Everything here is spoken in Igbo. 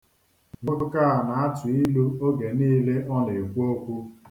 Nwoke a na-atụ ilu oge niile ọ na-ekwu okwu.